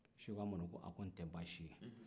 seko amadu ko aa nin tɛ baasi ye